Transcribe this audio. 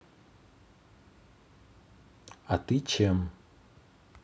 а ты чем